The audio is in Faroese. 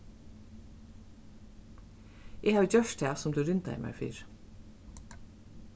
eg havi gjørt tað sum tú rindaði mær fyri